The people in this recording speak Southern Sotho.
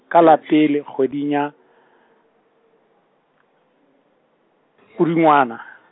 ka la pele kgweding ya , Pudungwana.